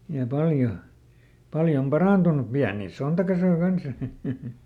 ja paljon paljon parantunut pieniä sontakasoja kanssa ja